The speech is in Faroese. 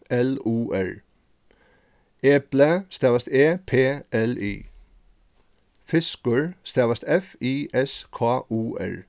l u r epli stavast e p l i fiskur stavast f i s k u r